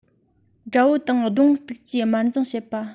དགྲ བོ དང གདོང གཏུགས ཀྱིས དམར འཛིང བྱེད པ